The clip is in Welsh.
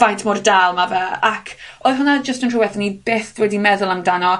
faint mor dal ma' fe, ac, odd hwnna jyst yn rhwbeth o'n i byth wedi meddwl amdano.